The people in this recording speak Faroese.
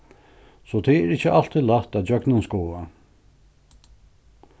so tað er ikki altíð lætt at gjøgnumskoða